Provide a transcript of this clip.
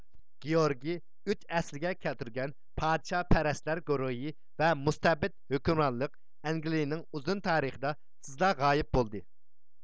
گېئورگې ئۈچ ئەسلىگە كەلتۈرگەن پادىشاھپەرەس لەر گۇرۇھى ۋە مۇستەبىت ھۆكۈمرانلىق ئەنگلىيىنىڭ ئۇزۇن تارىخىدا تېزلا غايىب بولدى